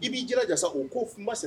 I b'i j jasa o ko fbase